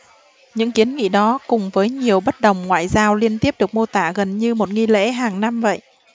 những kiến nghị đó cùng với nhiều bất đồng ngoại giao liên tiếp được mô tả gần như một nghi lễ hàng năm vậy